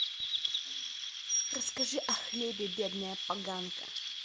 расскажи о хлебе бледная поганка